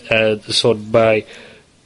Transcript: ...yn sôn mai